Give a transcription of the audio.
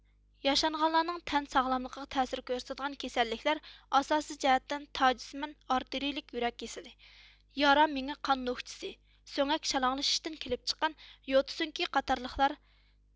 ياشانغانلارنىڭ تەن ساغلاملىقىغا تەسىر كۆرسىتىدىغان كېسەللىكلەر ئاساسىي جەھەتتىن تاجسىمان ئارتېرىيىلىك يۈرەك كېسىلى يارا مېڭە قان نۆكچىسى سۆڭەك شالاڭلىشىشتىن كېلىپ چىققان يوتا سۆڭىكى قاتارلىقلار